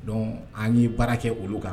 Donc an ye baara kɛ olu kan